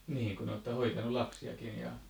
niin kun olette hoitanut lapsiakin ja